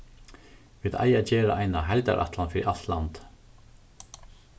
vit eiga at gera eina heildarætlan fyri alt landið